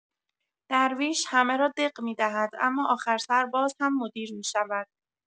درویش همه را دق می‌دهد، اما آخر سر بازهم مدیر می‌شود!